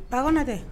Ba Kɔnatɛ